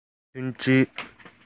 མཐུན སྒྲིལ